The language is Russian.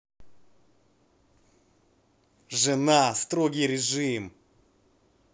жена строгий режим